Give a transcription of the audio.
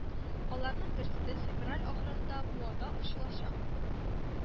Аларның берсе февраль ахырында Буада ачылачак